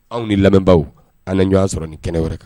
Anw ni lamɛnbaaw an na ɲɔan sɔrɔ ni kɛnɛ wɛrɛ kan